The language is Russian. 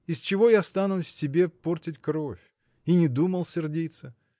Из чего я стану себе портить кровь? и не думал сердиться.